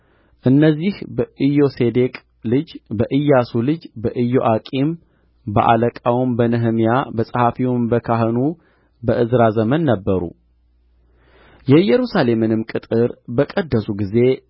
እነዚህ በኢዮሴዴቅ ልጅ በኢያሱ ልጅ በዮአቂም በአለቃውም በነህምያ በጸሐፊውም በካህኑ በዕዝራ ዘመን ነበሩ የኢየሩሳሌምንም ቅጥር በቀደሱ ጊዜ ቅ